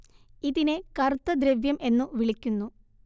ഇതിനെ കറുത്ത ദ്രവ്യം എന്നു വിളിക്കുന്നു